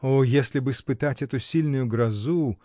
О, если б испытать эту сильную грозу!